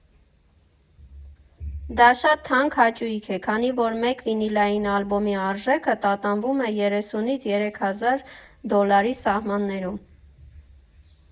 Դա շատ թանկ հաճույք է, քանի որ մեկ վինիլային ալբոմի արժեքը տատանվում է երեսունից երեք հազար դոլարի սահմաններում։